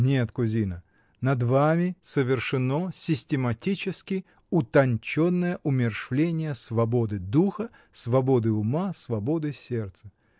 Нет, кузина, над вами совершено систематически утонченное умерщвление свободы духа, свободы ума, свободы сердца!